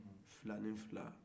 filani fila